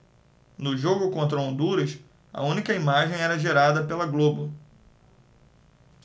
no jogo contra honduras a única imagem era gerada pela globo